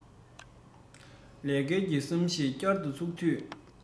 ལས སྐལ གྱི བསམ གཞིགས བསྐྱར དུ བཙུགས དུས